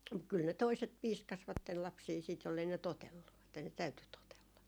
kyllä ne toiset piiskasivat lapsia sitten jos ei ne totellut että ne täytyi totella